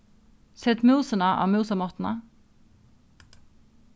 set músina á músamottuna